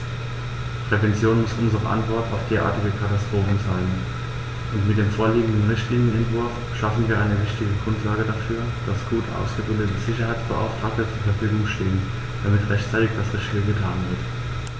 Prävention muss unsere Antwort auf derartige Katastrophen sein, und mit dem vorliegenden Richtlinienentwurf schaffen wir eine wichtige Grundlage dafür, dass gut ausgebildete Sicherheitsbeauftragte zur Verfügung stehen, damit rechtzeitig das Richtige getan wird.